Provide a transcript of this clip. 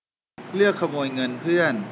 เลือกขโมยเงินเพื่อน